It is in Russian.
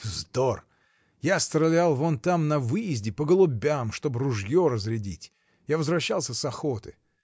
— Вздор: я стрелял вон там на выезде по голубям, чтоб ружье разрядить: я возвращался с охоты.